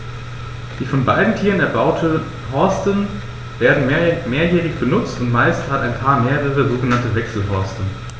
Die von beiden Tieren erbauten Horste werden mehrjährig benutzt, und meist hat ein Paar mehrere sogenannte Wechselhorste.